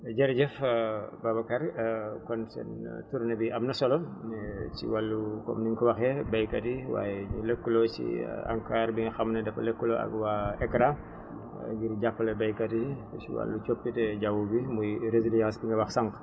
jërëjëf Babacar kon seen tournée bi am na solo ci wàllu comme ni nga ko waxee baykat yi waaye ñu lëkkaloo si ANCAR bi nga xam ne dafa lëkkaloo ak waa AICRA ngir jàppale baykat yi ci wàllu coppite jaww gi muy résilience bi nga wax sànq